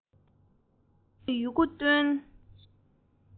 རང ནུས ཡོད རྒུ བཏོན